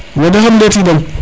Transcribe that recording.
wo de xam ndeti dong